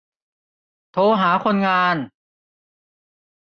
โทรหาคนงาน